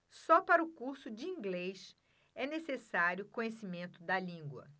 só para o curso de inglês é necessário conhecimento da língua